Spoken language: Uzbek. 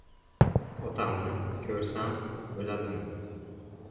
otamni ko'rsam bo'ladimi